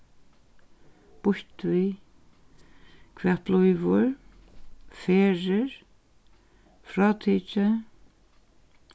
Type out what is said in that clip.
býtt við hvat blívur ferðir frátikið